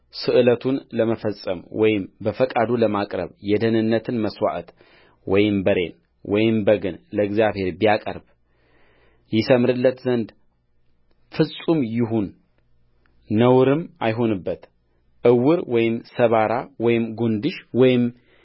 ስእለቱን ለመፈጸም ወይም በፈቃዱ ለማቅረብ የደኅንነትን መሥዋዕት ወይም በሬን ወይም በግን ለእግዚአብሔር ቢያቀርብ ይሠምርለት ዘንድ ፍጹም ይሁን ነውርም አይሁንበትዕውር ወይም ሰባራ ወይም ጕንድሽ ወይም